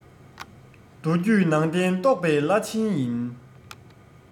མདོ རྒྱུད ནང བསྟན རྟོགས པའི བླ ཆེན ཡིན